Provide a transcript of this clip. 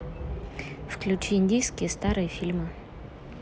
включи индийские старые фильмы